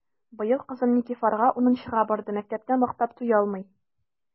Быел кызым Никифарга унынчыга барды— мәктәпне мактап туялмый!